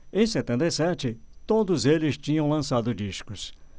em setenta e sete todos eles tinham lançado discos